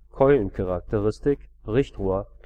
Keulencharakteristik, Richtrohr